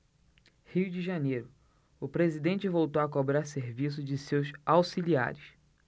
rio de janeiro o presidente voltou a cobrar serviço de seus auxiliares